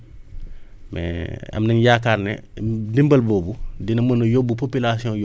mais am nañ yaakaar ne ndimbal boobu dina mën a yóbbu population